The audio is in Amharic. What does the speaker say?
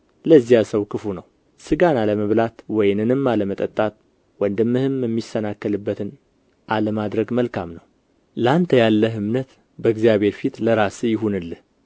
ለዚያ ሰው ክፉ ነው ሥጋን አለመብላት ወይንንም አለመጠጣት ወንድምህም የሚሰናከልበትን አለማድረግ መልካም ነው ለአንተ ያለህ እምነት በእግዚአብሔር ፊት ለራስህ ይሁንልህ